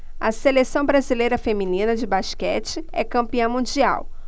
a seleção brasileira feminina de basquete é campeã mundial